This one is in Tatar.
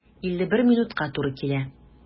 51 минутка туры килә.